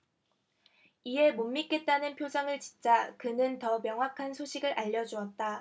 이에 못 믿겠다는 표정을 짓자 그는 더 명확한 소식을 알려주었다